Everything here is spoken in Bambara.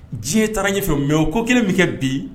Diɲɛ taara n ɲɛ fɛ mɛ o ko kelen min kɛ bi